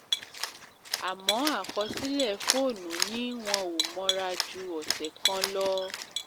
Àmọ́ àkọsílẹ̀ fóònù ní wọn ‘ò mọra ju ọ̀sẹ̀ kan lọ.